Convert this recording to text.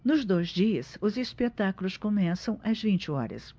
nos dois dias os espetáculos começam às vinte horas